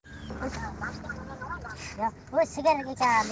anchagacha u yoq bu yoqdan gaplashib o'tirishdi